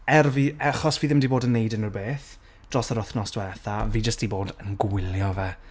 er fi... achos fi ddim 'di bod yn wneud unrywbeth, dros yr wthnos dwetha, fi jyst 'di bod yn gwylio fe.